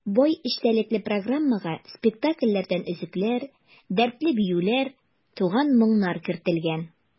Бай эчтәлекле программага спектакльләрдән өзекләр, дәртле биюләр, туган моңнар кертелгән.